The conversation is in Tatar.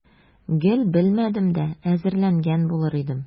Гел белмәдем дә, әзерләнгән булыр идем.